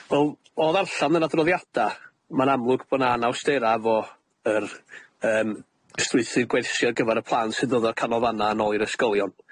Wel, o ddarllan yn adroddiada', ma'n amlwg bo' 'na anawstera' efo yr yym y strwythur gwersi ar gyfar y plant sy'n dod o'r canolfanna'n ôl i'r ysgolion.